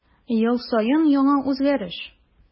Ел саен яңа үзгәреш.